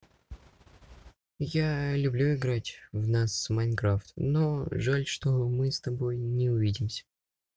я люблю играть в нас minecraft но жальчто мы с тобой не увидимся